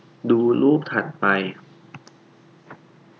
ดูรูปถัดไป